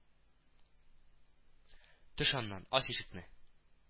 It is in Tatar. Төш аннан, ач ишекне